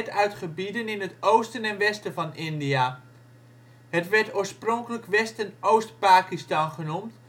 uit gebieden in het oosten en westen van India. Het werd oorspronkelijk West - en Oost-Pakistan genoemd